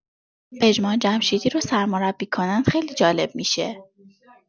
پژمان جمشیدی رو سرمربی کنن خیلی جالب می‌شه.